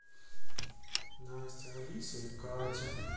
настя алиса и катя